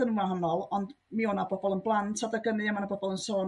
yn wahanol ond mi ona bobol yn blant adag 'ynny a 'ma 'na bobol yn sôn